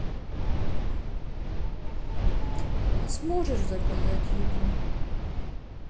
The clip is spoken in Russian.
а сможешь заказать еду